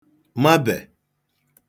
mabè